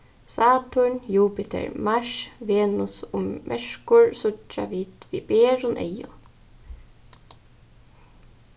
saturn jupiter mars venus og merkur síggja vit við berum eygum